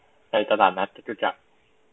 ในตลาดนัดจตุจักร